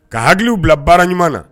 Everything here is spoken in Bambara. Ka hakililw bila baara ɲuman na